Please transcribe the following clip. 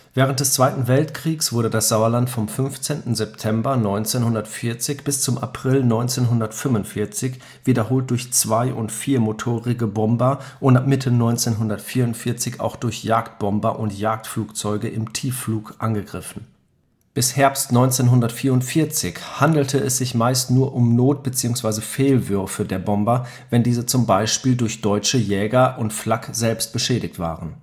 Zweiten Weltkrieges wurde das Sauerland vom 15. September 1940 bis zum April 1945 wiederholt durch zwei - und viermotorige Bomber und ab Mitte 1944 auch durch Jagdbomber und Jagdflugzeuge im Tiefflug angegriffen. Bis Herbst 1944 handelte es sich meist nur um Not - bzw. Fehlwürfe der Bomber, wenn diese zum Beispiel durch deutsche Jäger und Flak selbst beschädigt waren